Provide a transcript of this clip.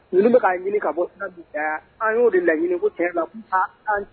Ni bɛ k'a ɲini ka bɔ an y'o de laɲini ko cɛ la h